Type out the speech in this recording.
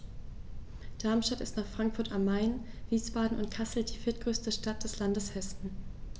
Darmstadt ist nach Frankfurt am Main, Wiesbaden und Kassel die viertgrößte Stadt des Landes Hessen